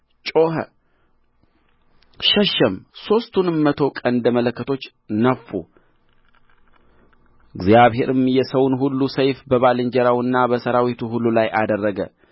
ሁሉም በየቦታው በሰፈሩ ዙሪያ ቆመ ሠራዊቱም ሁሉ ሮጠ ጮኸ ሸሸም